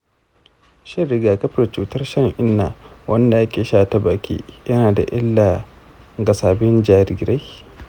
shin rigakafin cutar shan-inna wanda ake sha ta baki nada da illa ga sabbin jarirai?